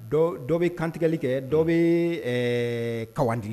Dɔ dɔ bɛ kantigɛli kɛ dɔw bɛ kawandi